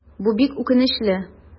Бу бик үкенечле.